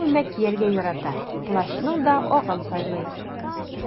Ак күлмәк кияргә ярата, плащның да агын сайлый.